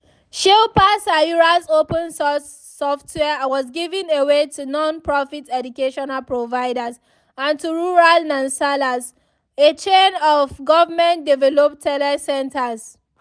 Shilpa Sayura's open-source software was given away to non-profit educational providers and to rural Nansalas, a chain of government-developed telecentres.